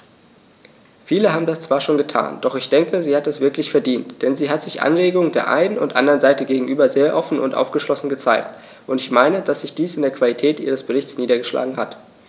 Viele haben das zwar schon getan, doch ich denke, sie hat es wirklich verdient, denn sie hat sich Anregungen der einen und anderen Seite gegenüber sehr offen und aufgeschlossen gezeigt, und ich meine, dass sich dies in der Qualität ihres Berichts niedergeschlagen hat.